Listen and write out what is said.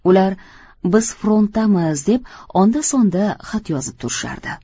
ular biz frontdamiz deb onda sonda xat yozib turishardi